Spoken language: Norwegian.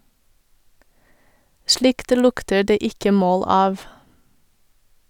Slikt lukter det ikke mål av.